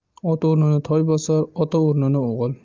ot o'rnini toy bosar ota o'rnini o'g'il